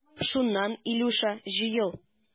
Шуннан, Илюша, җыел.